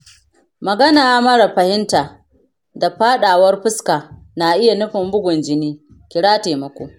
magana mara fahimta da faɗawar fuska na iya nufin bugun jini, kira taimako.